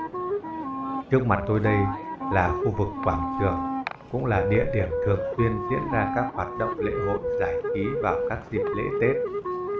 trước mặt tôi đây là khu vực quảng trường cũng là địa điểm thường xuyên diễn ra các hoạt động lễ hội giải trí vào các dịp lễ tết